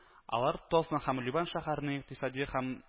Алар Тосно һәм Любань шәһәрләренең икътисадый һәм